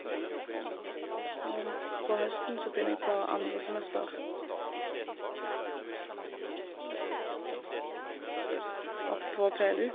Så, på høsten så begynner jeg på andre semester oppe på PLU.